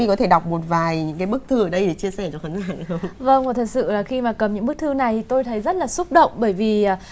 có thể đọc một vài bức thư ở đây để chia sẻ vâng thật sự là khi mà cầm những bức thư này tôi thấy rất là xúc động bởi vì